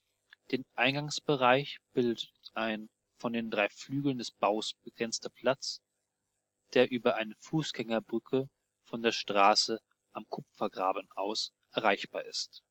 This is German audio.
Eingangsbereich bildet ein von den drei Flügeln des Baus begrenzter Platz, der über eine Fußgängerbrücke von der Straße Am Kupfergraben aus erreichbar ist